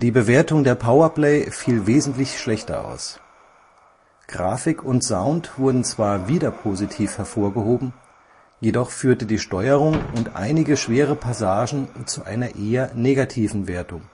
Bewertung der Power Play fiel wesentlich schlechter aus. Grafik und Sound wurden zwar wieder positiv hervorgehoben, jedoch führte die Steuerung und einige schwere Passagen zu einer eher negativen Wertung